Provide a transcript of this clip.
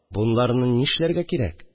Бунларны нишләргә кирәк